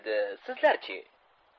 sizlar chi